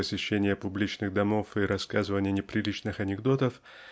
посещения публичных домов и рассказывания неприличных анекдотов